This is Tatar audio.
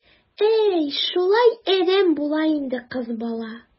Әй, шулай әрәм була инде кыз бала.